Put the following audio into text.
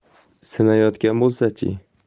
sinayotgan bo'lsa chi